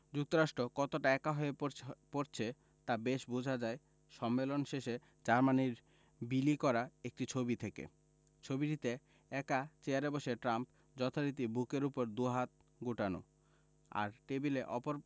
যুক্তরাষ্ট্র কতটা একা হয়ে পড়ছে তা বেশ বোঝা যায় সম্মেলন শেষে জার্মানির বিলি করা একটি ছবি থেকে ছবিটিতে একা চেয়ারে বসে ট্রাম্প যথারীতি বুকের ওপর দুই হাত গোটানো আর টেবিলের অপর